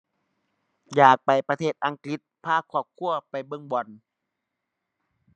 อยากไปประเทศอังกฤษ พาครอบครัวไปเบิ่งบอล